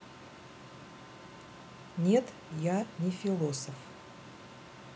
нет я не философ